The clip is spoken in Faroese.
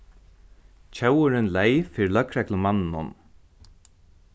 tjóvurin leyg fyri løgreglumanninum